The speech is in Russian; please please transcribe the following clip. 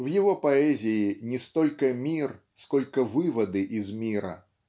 В его поэзии - не столько мир, сколько выводы из мира.